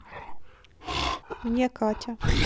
мне катя